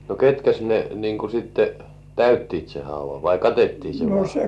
ketkäs ne niin kuin sitten täyttivät sen haudan vai katettiin se vain